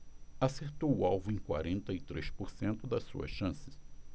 acertou o alvo em quarenta e três por cento das suas chances